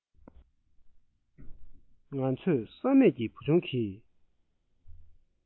ང ཚོས བསམ མེད ཀྱི བུ ཆུང གི